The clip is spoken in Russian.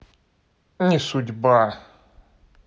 не судьба